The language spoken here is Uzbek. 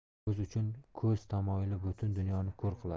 ko'z uchun ko'z tamoyili butun dunyoni ko'r qiladi